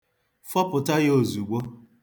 Fọpụta ya ozugbo.